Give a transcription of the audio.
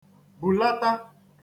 bùlata